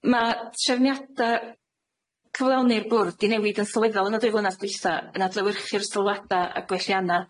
Ma' trefniada cyflawni'r bwrdd 'di newid yn sylweddol yn y dwy flynadd dwytha, yn adlewyrchu'r sylwada a gwellianna